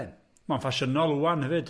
Ma'n ffasiynol ŵan hefyd.